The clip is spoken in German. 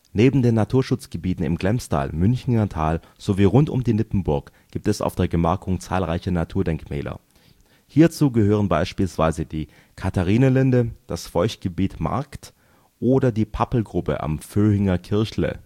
Neben den Naturschutzgebieten im Glemstal, Münchinger Tal sowie rund um die Nippenburg gibt es auf der Gemarkung zahlreiche Naturdenkmäler. Hierzu gehören beispielsweise die Katharinenlinde, das Feuchtgebiet Markt oder die Pappelgruppe am Vöhinger Kirchle